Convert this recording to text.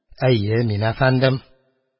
Әйе, мин, әфәндем!